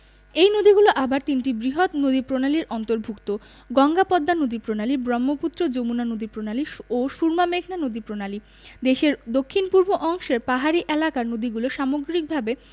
এই নদীগুলো আবার তিনটি বৃহৎ নদীপ্রণালীর অন্তর্ভুক্ত গঙ্গা পদ্মা নদীপ্রণালী ব্রহ্মপুত্র যমুনা নদীপ্রণালী ও সুরমা মেঘনা নদীপ্রণালী দেশের দক্ষিণ পূর্ব অংশের পাহাড়ী এলাকার নদীগুলো সামগ্রিকভাবে